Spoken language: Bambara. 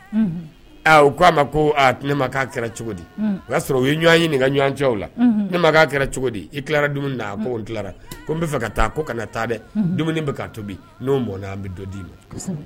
U k'a ma ko ne ma kɛra cogo di o y'a sɔrɔ u ye ɲɔgɔn ye ka ɲɔgɔncɛ ne kɛra cogo di ira fɛ ka taa kana taa dɛ to an bɛ don d' i ma